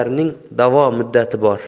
o'zlarining da'vo muddati bor